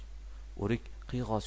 o'rik qiyg'os gullaganmish